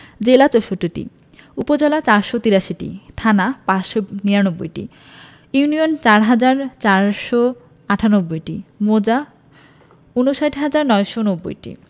জেলা ৬৪টি উপজেলা ৪৮৩টি ও থানা ৫৯৯টি ইউনিয়ন ৪হাজার ৪৯৮টি মৌজা ৫৯হাজার ৯৯০টি